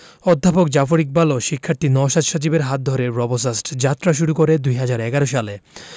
অধ্যাপক জাফর ইকবাল ও শিক্ষার্থী নওশাদ সজীবের হাত ধরে রোবোসাস্ট যাত্রা শুরু করে ২০১১ সালে